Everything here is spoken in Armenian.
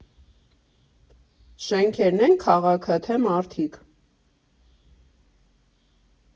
Շենքերն ե՞ն քաղաքը, թե՞ մարդիկ։